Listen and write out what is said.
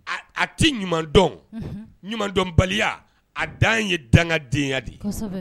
A tɛ ɲuman ɲumandɔn baliya a dan ye danga denya de ye